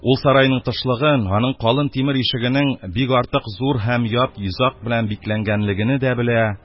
Ул сарайның ташлыгын, аның калын тимер ишегенең бик артык зур һәм ят йозак берлән бикләнгәнлегене дә белә,